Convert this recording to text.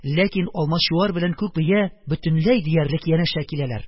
Ләкин Алмачуар белән күк бия бөтенләй диярлек янәшә киләләр.